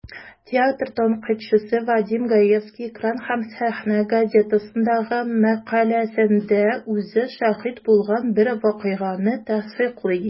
Театр тәнкыйтьчесе Вадим Гаевский "Экран һәм сәхнә" газетасындагы мәкаләсендә үзе шаһит булган бер вакыйганы тасвирлый.